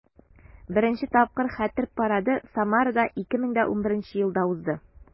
Беренче тапкыр Хәтер парады Самарада 2011 елда узды.